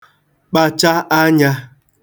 kpacha anyā